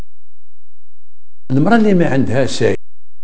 المعلمي عندها شيء